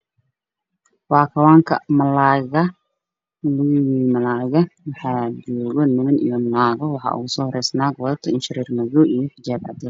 Waa kawaanka malayga waxaa dubo niman iyo naago waxaa ugu soo horeeyo naag wadato inshashareer madow iyo xijaab cadiin